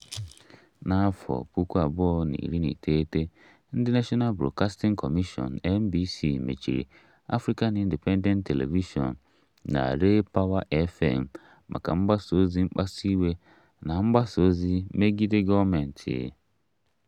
N'afọ 2019, ndị National Broadcasting Commission (NBC) mechiri African Independent Television na RayPower FM maka mgbasa ozi mkpasu iwe na mgbasa ozi megide gọọmentị.